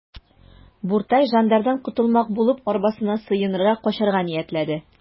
Буртай жандардан котылмак булып, арбасына сыенырга, качарга ниятләде.